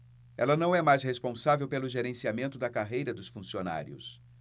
ela não é mais responsável pelo gerenciamento da carreira dos funcionários